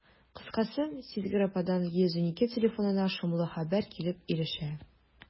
Кыскасы, сизгер ападан «112» телефонына шомлы хәбәр килеп ирешә.